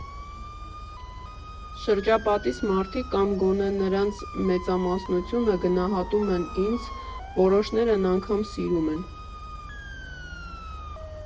Շրջապատիս մարդիկ, կամ գոնե նրանց մեծամասնությունը, գնահատում են ինձ, որոշներն անգամ սիրում են։